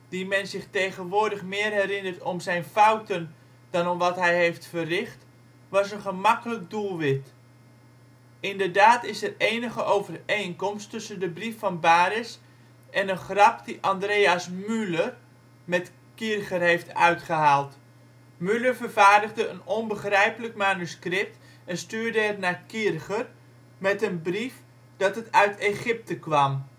die men zich tegenwoordig meer herinnert om zijn fouten dan om wat hij heeft verricht, was een gemakkelijk doelwit. Inderdaad is er enige overeenkomst tussen de brief van Baresch en een grap die Andreas Mueller met Kircher heeft uitgehaald. Mueller vervaardigde een onbegrijpelijk manuscript en stuurde het naar Kircher met een brief dat het uit Egypte kwam